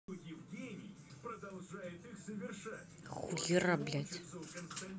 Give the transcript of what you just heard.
хуера блядь